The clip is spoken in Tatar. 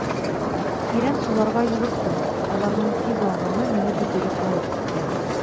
Тирән суларга юлыктым, аларның тиз агымы мине бөтереп алып китә.